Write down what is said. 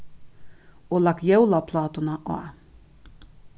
og lagt jólaplátuna á